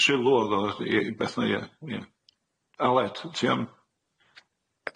Shilw o'ddo i beth ia ia. Aled ti am?